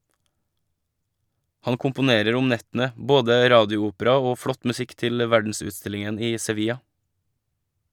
Han komponerer om nettene - både radioopera og flott musikk til verdensutstillingen i Sevilla.